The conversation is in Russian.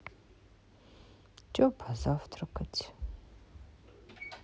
че позавтракать